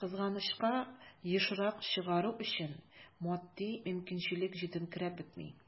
Кызганычка, ешрак чыгару өчен матди мөмкинчелек җитенкерәп бетми.